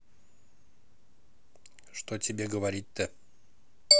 что тебе говорить то